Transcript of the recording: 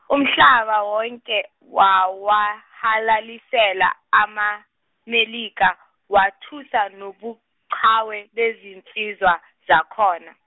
umhlaba wonke wawahalalisela amaMelika watusa nobuqhawe bezinsizwa zakhona.